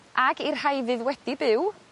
Ag i'r rhai fydd wedi byw